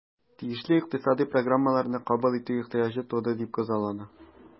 Тиешле икътисадый программаларны кабул итү ихтыяҗы туды дип күзаллана.